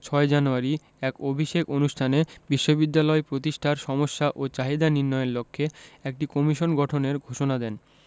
৬ জানুয়ারি এক অভিষেক অনুষ্ঠানে বিশ্ববিদ্যালয় প্রতিষ্ঠার সমস্যা ও চাহিদা নির্ণয়ের লক্ষ্যে একটি কমিশন গঠনের ঘোষণা দেন